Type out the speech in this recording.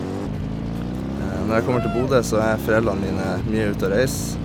Når jeg kommer til Bodø, så er foreldrene mine mye ute og reiser.